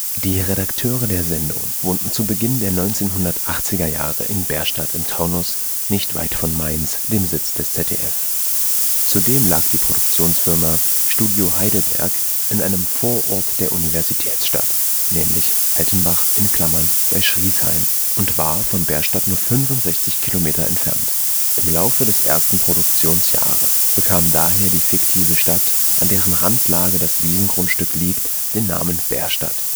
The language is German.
Die Redakteure der Sendung wohnten zu Beginn der 1980er Jahre in Bärstadt im Taunus – nicht weit von Mainz, dem Sitz des ZDF. Zudem lag die Produktionsfirma „ Studio Heidelberg “in einem Vorort der Universitätsstadt, nämlich Altenbach (bei Schriesheim), und war von Bärstadt nur 65 Kilometer entfernt. Im Laufe des ersten Produktionsjahres bekam daher die fiktive Stadt, an deren Randlage das Wiesengrundstück liegt, den Namen Bärstadt